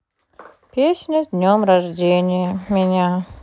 песня с днем рождения меня